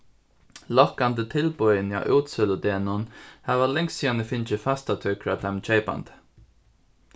lokkandi tilboðini á útsøludegnum hava langt síðani fingið fastatøkur á teimum keypandi